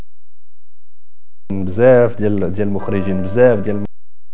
نزيف جلد المخرج